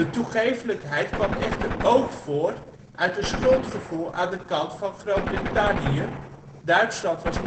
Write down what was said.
toegeeflijkheid kwam echter ook voort uit een schuldgevoel aan de kant van Groot-Brittannië, Duitsland was